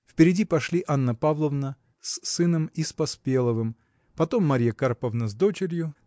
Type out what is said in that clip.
Впереди пошли Анна Павловна с сыном и с Поспеловым потом Марья Карловна с дочерью